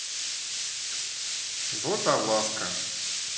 златовласка